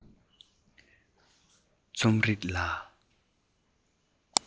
རྩོམ རིག ལ